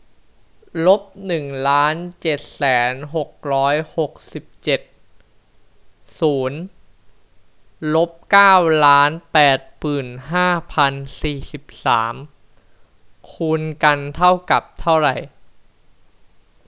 ลบหนึ่งล้านเจ็ดแสนหกร้อยหกสิบเจ็ดศูนย์ลบเก้าล้านแปดหมื่นห้าพันสี่สิบสามคูณกันเท่ากับเท่าไหร่